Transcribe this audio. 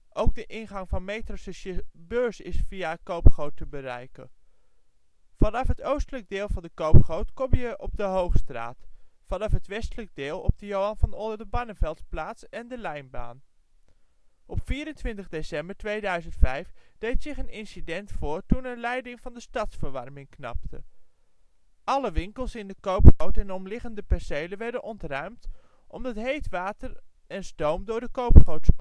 Ook de ingang van metrostation Beurs is via de Koopgoot te bereiken. Vanaf het oostelijk deel van de koopgoot kom je op de Hoogstraat. Vanaf het westelijk deel op de Johan van Oldebarneveltsplaats en de Lijnbaan. Op 24 december 2005 deed zich een incident voor toen een leiding van de stadsverwarming knapte. Alle winkels in de Koopgoot en omliggende percelen werden ontruimd, omdat heet water en stoom door de Koopgoot